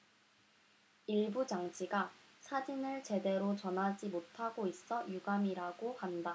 일부 장치가 사진을 제대로 전하지 못하고 있어 유감이라고 한다